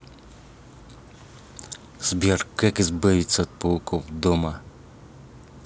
сбер как избавиться от пауков от дома